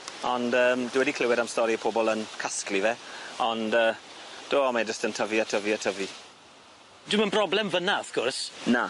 Ond yym dwi wedi clywed am stori pobol yn casglu fe ond yy do mae jyst yn tyfu a tyfu a tyfu. Dyw 'im yn broblem fyn 'na wrth gwrs. Na.